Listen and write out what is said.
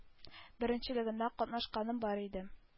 Беренчелегендә катнашканым бар иде.